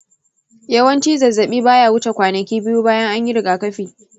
yawanci zazzabi baya wuce kwanaki biyu bayan an yi rigakafi.